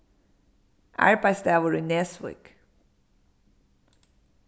arbeiðsdagur í nesvík